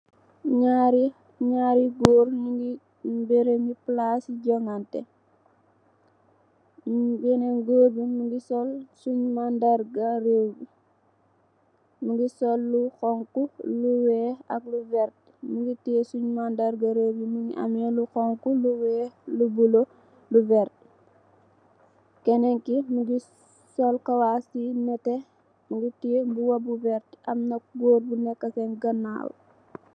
Nyarri goor nyungi palasi jonganteh benen goor bi mungi sul sunye man ndargah rewmi mungi sul lu xong khu lu weex lu wertah mungi teyeh sunye man ndargah rewmi mungi am lu xong khu lu weex lu bulah ak lu wertah kenen ki mungi sul kawas bu werta.